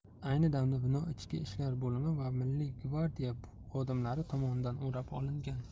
ayni damda bino ichki ishlar bolimi va milliy gvardiya xodimlari tomonidan o'rab olingan